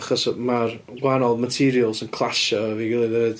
Achos mae'r gwahanol materials yn clasio efo'i gilydd hefyd.